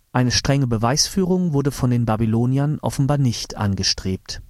Eine strenge Beweisführung wurde von den Babyloniern offenbar nicht angestrebt